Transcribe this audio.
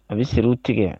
A bɛ se u tigɛ